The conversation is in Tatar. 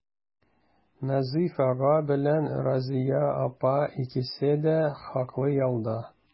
Назыйф ага белән Разыя апа икесе дә хаклы ялда.